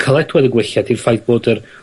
caledwedd yn gwella 'di'r faith bod yr